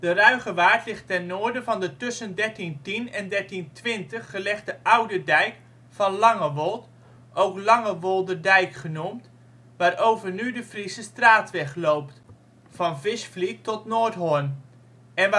Ruigewaard ligt ten noorden van tussen 1310 en 1320 gelegde ' oude dijk ' van Langewold (ook ' Langewolderdijk ' genoemd) waarover nu de Friesestraatweg loopt (van Visvliet tot Noordhorn) en